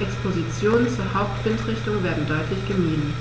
Expositionen zur Hauptwindrichtung werden deutlich gemieden.